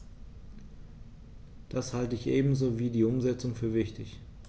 Das halte ich ebenso wie die Umsetzung für wichtig.